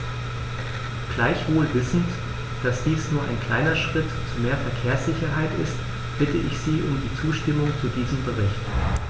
Gleichwohl wissend, dass dies nur ein kleiner Schritt zu mehr Verkehrssicherheit ist, bitte ich Sie um die Zustimmung zu diesem Bericht.